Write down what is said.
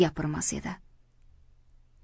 gapirmas edi